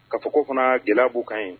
Ka fɔ ko fana gɛlɛyabu ka ɲi